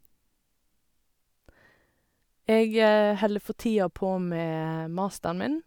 Jeg holder for tida på med masteren min.